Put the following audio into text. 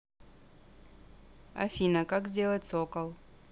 афина как сделать сокол